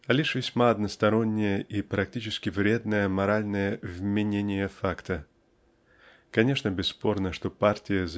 а лишь весьма одностороннее и практически вредное моральное вменение факта. Конечно бесспорно что партия